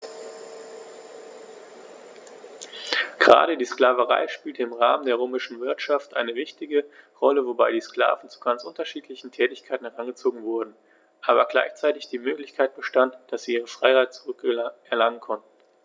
Gerade die Sklaverei spielte im Rahmen der römischen Wirtschaft eine wichtige Rolle, wobei die Sklaven zu ganz unterschiedlichen Tätigkeiten herangezogen wurden, aber gleichzeitig die Möglichkeit bestand, dass sie ihre Freiheit zurück erlangen konnten.